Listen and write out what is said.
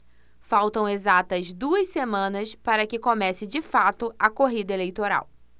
faltam exatas duas semanas para que comece de fato a corrida eleitoral